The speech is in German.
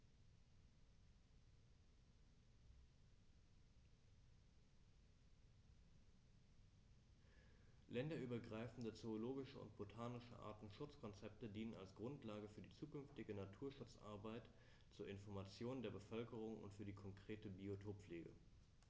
Länderübergreifende zoologische und botanische Artenschutzkonzepte dienen als Grundlage für die zukünftige Naturschutzarbeit, zur Information der Bevölkerung und für die konkrete Biotoppflege.